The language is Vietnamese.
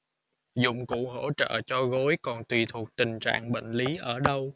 dụng cụ hỗ trợ cho gối còn tùy thuộc tình trạng bệnh lý ở đâu